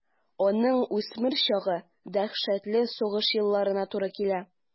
Аның үсмер чагы дәһшәтле сугыш елларына туры килә.